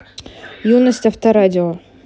юность авторадио